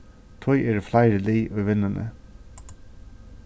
tí eru fleiri lið í vinnuni